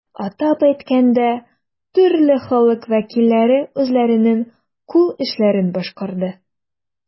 Атап әйткәндә, төрле халык вәкилләре үзләренең кул эшләрен башкарды.